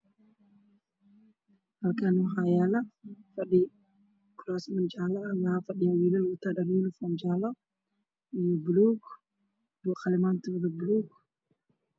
Halkaan waxaa yaalo fadhi kuraasman jaale ah waxaa fadhiyo wiil wato dhar yunifon jaale ah iyo buluug, qalimaantoodana buluug.